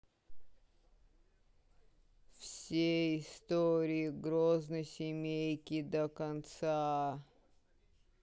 все истории грозной семейки до конца